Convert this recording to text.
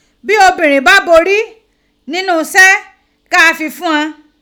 Bi obinrin ba bori ninu ise ka a fi fun ghan